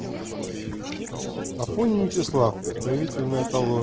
афонин вячеслав исправительная колония